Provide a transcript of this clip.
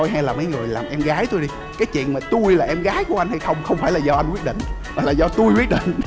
thôi hay là mấy người làm em gái tôi đi cái chuyện mà tui là em gái của anh hay không không phải là do anh quyết định mà là do tui quyết định